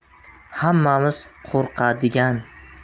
hammamiz qo'rqadigan